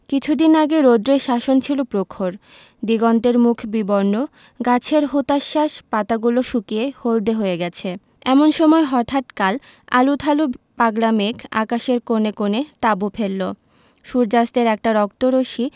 কিছুদিন আগে রৌদ্রের শাসন ছিল প্রখর দিগন্তের মুখ বিবর্ণ গাছের হুতাশ্বাস পাতাগুলো শুকিয়ে হলদে হয়ে গেছে এমন সময় হঠাৎ কাল আলুথালু পাগলা মেঘ আকাশের কোণে কোণে তাঁবু ফেললো সূর্য্যাস্তের একটা রক্ত রশ্মি